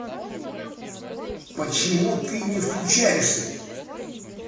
почему ты не включаешься